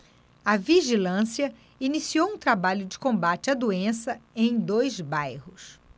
a vigilância iniciou um trabalho de combate à doença em dois bairros